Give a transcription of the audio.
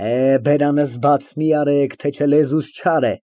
Էհ, բերանս բաց մի անեք, թե չէ ֊ լեզուս չար է։